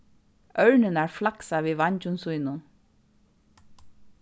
ørnirnar flagsa við veingjum sínum